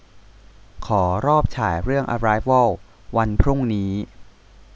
ขอรอบฉายเรื่องอะไรวอลวันพรุ่งนี้